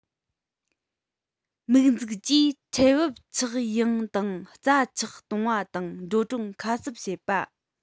དམིགས འཛུགས ཀྱིས ཁྲལ འབབ ཆག ཡང དང རྩ ཆག གཏོང བ དང འགྲོ གྲོན ཁ གསབ བྱེད པ